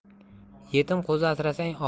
yetim qo'zi asrasang